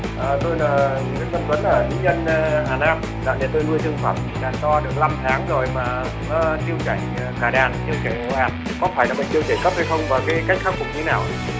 à tôi là nguyễn văn tuấn ở lý nhân hà nam nhà tôi nuôi gà to được năm tháng rồi mà nó tiêu chảy cả đàn tiêu chảy ồ ạt có phải là bệnh tiêu chảy cấp hay không và cái cách khắc phục như nào ạ